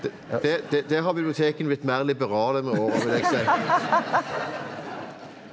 det det der har bibliotekene blitt mer liberale med årene vil jeg si.